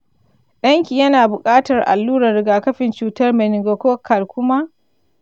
danki yana buƙatar allurar rigakafin cutar meningococcal kuma.